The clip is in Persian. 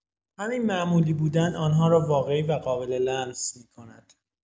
همین معمولی بودن، آن‌ها را واقعی و قابل‌لمس می‌کند.